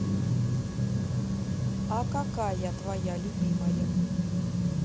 а какая твоя любимая